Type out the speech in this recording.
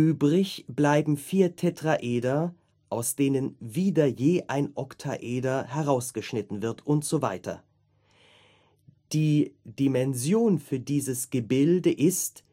Übrig bleiben vier Tetraeder, aus denen wieder je ein Oktaeder herausgeschnitten wird, usw. Die Dimension für dieses Gebilde ist